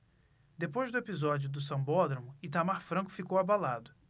depois do episódio do sambódromo itamar franco ficou abalado